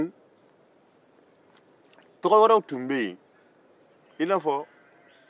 tɔgɔ wɛrɛ tun bɛ yen